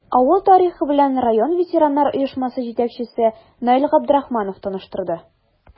Авыл тарихы белән район ветераннар оешмасы җитәкчесе Наил Габдрахманов таныштырды.